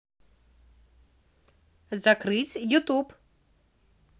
закрыть ютуб